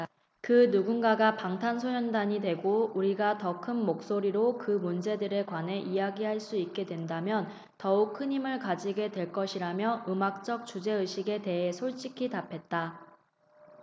그 누군가가 방탄소년단이 되고 우리가 더 큰 목소리로 그 문제들에 관해 얘기할 수 있게 된다면 더욱 큰 힘을 가지게 될 것이라며 음악적 주제의식에 대해 솔직히 답했다